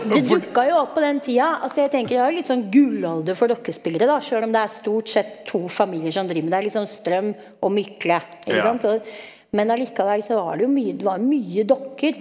det dukka jo opp på den tida altså jeg tenker det var jo litt sånn gullalder for dokkespillere da, sjøl om det er stort sett to familier som driver med det her liksom Strøm og Mykle ikke sant og men allikevel så var det jo mye det var mye dokker.